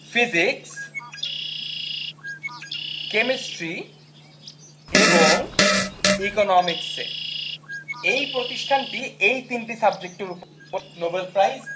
physics chemistry এবং ইকোনমিকসে এই প্রতিষ্ঠানটি এই তিনটি সাবজেক্টের উপর নোবেল প্রাইজ